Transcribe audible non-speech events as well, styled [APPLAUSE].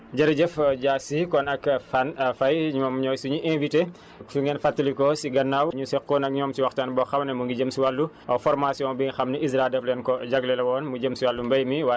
jërëjëf Dia Sy kon ak Fane Faye ñoom ñooy suñu invité [BREATH] su ngeen fàttalikoo si gannaaw ñu seqoon ak ñoom si waxtaan boo xam ne mu ngi jëm si wàllu formation bi nga xam ne ISRA daf leen ko jagle le woon mu jëm si wàllu mbéy mi